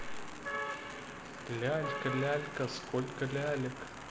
лялька лялька сколько лялек